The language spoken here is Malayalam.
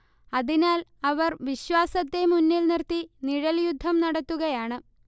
അതിനാൽ അവർ വിശ്വാസത്തെ മുന്നിൽ നിർത്തി നിഴൽയുദ്ധം നടത്തുകയാണ്